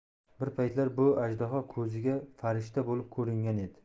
bir paytlar bu ajdaho ko'ziga farishta bo'lib ko'ringan edi